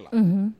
Unhun